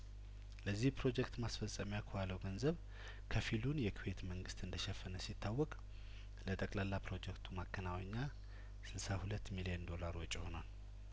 ለዚህ ፕሮጀክት ማስፈጸሚያ ከዋለው ገንዘብ ከፊሉን የኩዌት መንግስት እንደሸፈነ ሲታወቅ ለጠቅላላ ፕሮጀክቱ ማከናወኛ ስልሳ ሁለት ሚሊየን ዶላር ወጪ ሆኗል